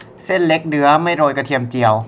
เส้นเล็กเนื้อไม่โรยกระเทียมเจียว